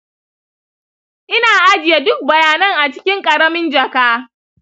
ina ajiye duk bayanan a cikin ƙaramin jaka.